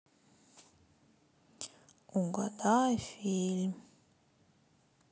угадай фильм